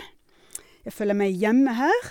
Jeg føler meg hjemme her.